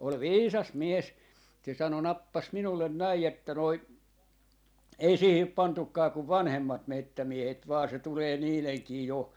oli viisas mies se sanoi nappasi minulle näin että noin ei siihen pantukaan kuin vanhemmat metsämiehet vain se tulee niidenkin jo